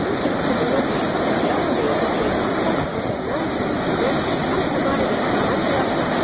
Аның коллективыннан башка, программада Екатеринбургтан, Казаннан, Мәскәүдән һәм Самарадан командалар бар.